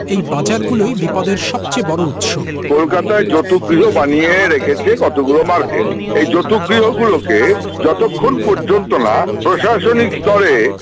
এই বাজার গুলোই বিপদ এর সবচেয়ে বড় উৎস কলকাতায় জতুগৃহ বানিয়ে রেখেছে ততগুলো মার্কেট এই জতুগৃহ গুলোকে প্রশাসনিক স্তরে